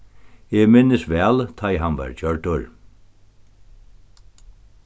eg minnist væl tá ið hann varð gjørdur